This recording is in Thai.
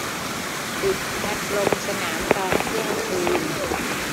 ปิดพัดลมสนามตอนเที่ยงคืน